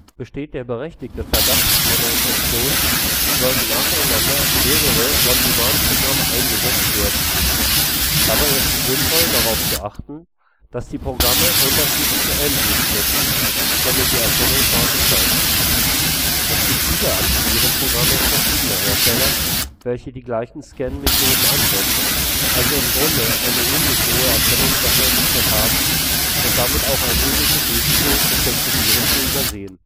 Besteht der berechtigte Verdacht einer Infektion, sollten nacheinander mehrere On-Demand-Programme eingesetzt werden. Dabei ist es sinnvoll, darauf zu achten, dass die Programme unterschiedliche Engines nutzen, damit die Erkennungsrate steigt. Es gibt Antivirenprogramme verschiedener Hersteller, welche die gleichen Scan-Methoden anwenden, also im Grunde eine ähnlich hohe Erkennungswahrscheinlichkeit haben und damit auch ein ähnliches Risiko, bestimmte Viren zu übersehen